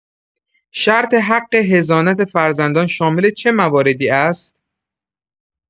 شرط حق حضانت فرزندان شامل چه مواردی است؟